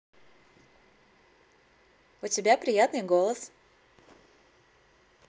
у тебя приятный голос